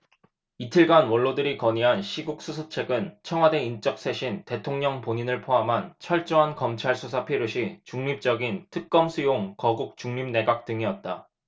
이틀간 원로들이 건의한 시국수습책은 청와대 인적 쇄신 대통령 본인을 포함한 철저한 검찰 수사 필요시 중립적인 특검 수용 거국중립내각 등이었다